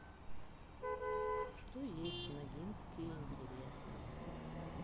что есть в ногинске интересного